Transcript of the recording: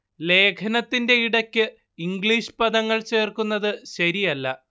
ലേഖനത്തിന്റെ ഇടയ്ക് ഇംഗ്ലീഷ് പദങ്ങൾ ചേർക്കുന്നത് ശരിയല്ല